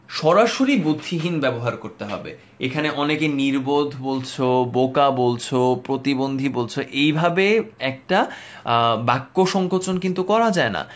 সরাসরি বুদ্ধিহীন ব্যবহার করতে হবে এখানে অনেকে নির্বোধ বলছো বোকা বলছো প্রতিবন্ধী বলছো এইভাবে একটা বাক্য সংকোচন কিন্তু করা যায় না